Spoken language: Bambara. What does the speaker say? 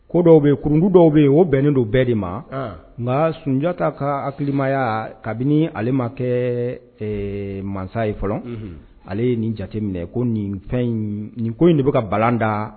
Ko dɔw bɛ yenuruntu dɔw bɛ yen o bɛnnen don bɛɛ de ma nka sunjatadi ta ka hakilikilimaya kabini ale ma kɛ masa ye fɔlɔ ale ye nin jate minɛ ko nin fɛn nin ko in de bɛ ka balalanda